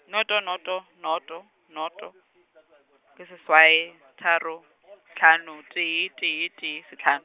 noto noto, noto noto, ke seswai, tharo , hlano, tee tee tee, se hlan-.